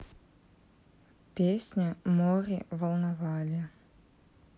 песня море волновали